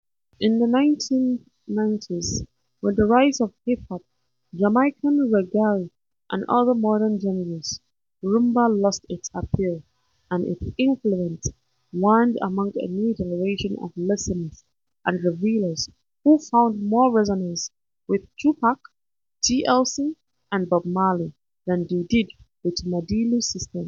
In the 1990s, with the rise of hip-hop, Jamaican Reggae, and other modern genres, Rhumba lost its appeal and its influence waned among a new generation of listeners and revealers who found more resonance with Tupac, TLC, and Bob Marley than they did with Madilu system.